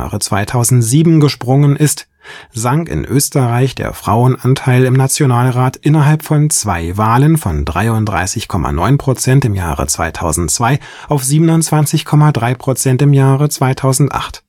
% (2007) gesprungen ist, sank in Österreich der Frauenanteil im Nationalrat innerhalb von zwei Wahlen von 33,9 % (2002) auf 27,3 % (2008